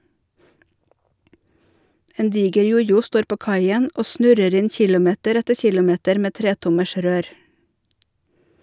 En diger jojo står på kaien og snurrer inn kilometer etter kilometer med 3-tommers rør.